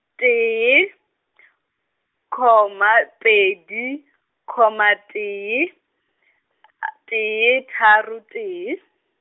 tee , comma pedi, comma tee , tee, tharo tee.